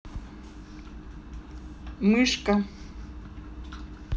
мышка